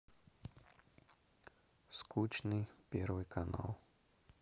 скучный первый канал